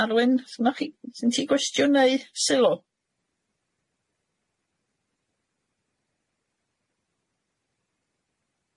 Arwyn os gennach chi 'sgen ti gwestiwn neu sylw?